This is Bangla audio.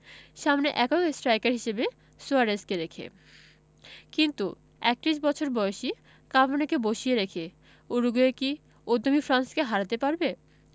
সামনে একক স্ট্রাইকার হিসেবে সুয়ারেজকে রেখে কিন্তু ৩১ বছর বয়সী কাভানিকে বসিয়ে রেখে উরুগুয়ে কি উদ্যমী ফ্রান্সকে হারাতে পারবে